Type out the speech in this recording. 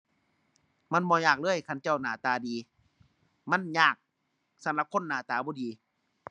มันบ่ยากเลย คันเจ้าหน้าตาดี มันยากสำหรับคนหน้าตาบ่ดี